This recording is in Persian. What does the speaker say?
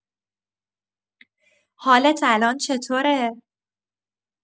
حالت الان چطوره؟